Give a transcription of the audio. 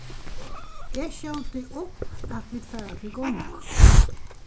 eg skjóti upp at vit fara til gongu